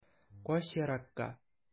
Кач еракка.